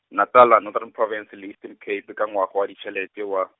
Natala Northern Province le Eastern Cape ka ngwaga wa ditšhelete wa.